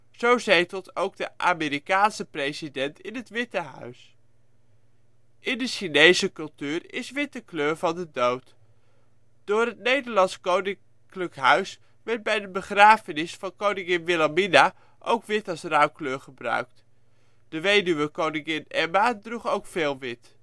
Zo zetelt ook de Amerikaanse president in het Witte Huis. In de Chinese cultuur is wit de kleur van de dood. Door het Nederlands koninklijk huis werd bij de begrafenis van Koningin Wilhelmina ook wit als rouwkleur gebruikt. De weduwe Koningin Emma droeg ook veel wit